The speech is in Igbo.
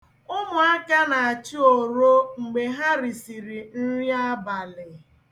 Ụmụaka na-achụ oro mgbe ha risịrị nri abalị.